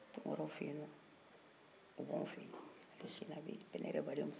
o b'an fɛ yen hali sinin a bɛ yen a bɛ ne yɛrɛ baden muso bolo a bɛ mɔgɔw mako dilan n' a ye